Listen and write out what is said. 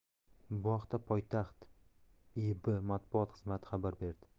bu haqda poytaxt iibb matbuot xizmati xabar berdi